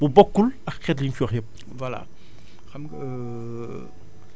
ci ngir péparer at bii di ñëw bu bokkul ak xeet yi nga fi wax yëpp